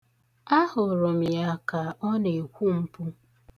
Ahụrụ m ya ka ọ na-ekwu mpụ.